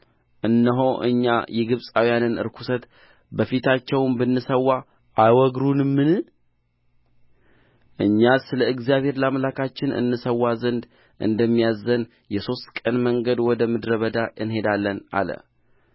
እነሆ እኛ የግብፃውያንን ርኵሰት በፊታቸው ብንሠዋ አይወግሩንምን እኛስ ለእግዚአብሔር ለአምላካችን እንሠዋ ዘንድ እንደሚያዝዘን የሦስት ቀን መንገድ ወደ ምድረ በዳ እንሄዳለን አለ